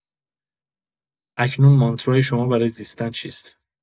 اکنون مانترای شما برای زیستن چیست؟